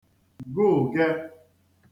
gụ̀ụ̀ge